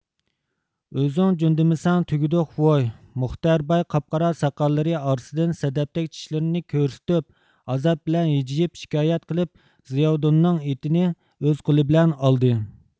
ئۆزۈڭ جۆندىمىسەڭ تۈگىدۇق ۋۇي مۇختەر باي قاپقارا ساقاللىرى ئارىسىدىن سەدەپتەك چىشلىرىنى كۆرسىتىپ ئازاب بىلەن ھىجىيىپ شىكايەت قىلىپ زىياۋۇدۇننىڭ ئېتىنى ئۆز قولى بىلەن ئالدى